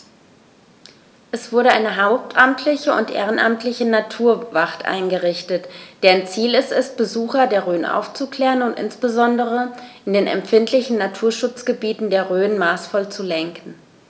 Es wurde eine hauptamtliche und ehrenamtliche Naturwacht eingerichtet, deren Ziel es ist, Besucher der Rhön aufzuklären und insbesondere in den empfindlichen Naturschutzgebieten der Rhön maßvoll zu lenken.